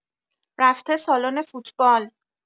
رفته سالن فوتبال